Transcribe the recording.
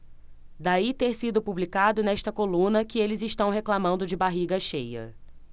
daí ter sido publicado nesta coluna que eles reclamando de barriga cheia